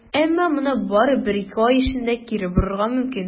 Әмма моны бары бер-ике ай эчендә кире борырга мөмкин.